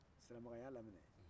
siramakan y'ala minɛ